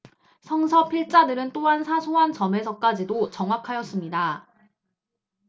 성서 필자들은 또한 사소한 점에서까지도 정확하였습니다